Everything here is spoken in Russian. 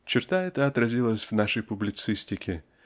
Черта эта отразилась в нашей публицистике